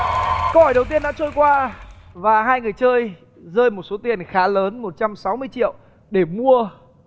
câu hỏi đầu tiên đã trôi qua và hai người chơi rơi một số tiền khá lớn một trăm sáu mươi triệu để mua